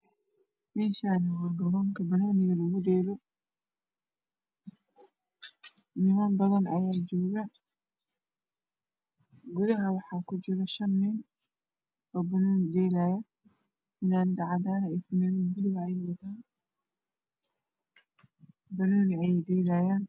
Meshaan waa garoonka bnooniga lagu dheelo niman badan ayaa joogo gudaha qaxaa ku jiro shan nin oo banooni dheelayo fuunad caadan ah iyo fuunad paluuga ah ayey wataan panooni ayey dhelayaan